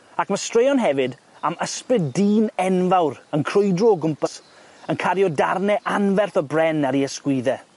Ac ma' straeon hefyd am ysbryd dyn enfawr yn crwydro o gwmpas yn cario darne anferth o bren ar ei ysgwydde.